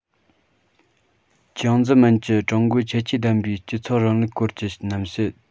ཅང ཙེ རྨིན གྱི ཀྲུང གོའི ཁྱད ཆོས ལྡན པའི སྤྱི ཚོགས རིང ལུགས སྐོར གྱི རྣམ བཤད